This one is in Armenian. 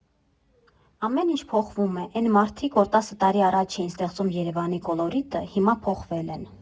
Ամեն ինչ փոխվում է, էն մարդիկ, որ տասը տարի առաջ էին ստեղծում Երևանի կոլորիտը, հիմա փոխվել են։